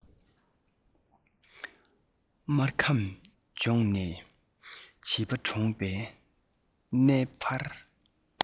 སྨར ཁམས རྫོང ནས བྱིས པ གྲོངས བའི གནས བར